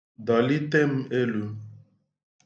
Dọlite m elu.